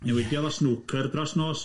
Newidiodd o snwcer dros nos.